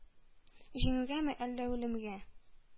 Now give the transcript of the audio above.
Җиңүгәме әллә үлемгә?